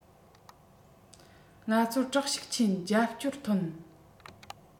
ང ཚོར བཀྲག ཤུགས ཆེན རྒྱབ སྐྱོར ཐོན